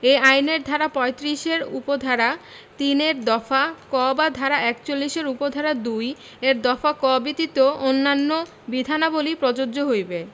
এই আইনের ধারা ৩৫ এর উপ ধারা ৩ এর দফা ক বা ধারা ৪১ এর উপ ধারা ২ এর দফা ক ব্যতীত অন্যান্য বিধানাবলী প্রযোজ্য হইবে